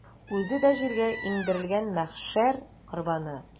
Үзе дә җиргә иңдерелгән мәхшәр корбаны.